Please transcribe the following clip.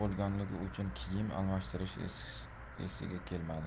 uchun kiyim almashtirish esiga kelmadi